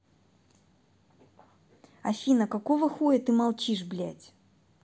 афина какого хуя ты молчишь блять